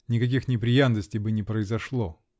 Никаких неприятностей бы не произошло!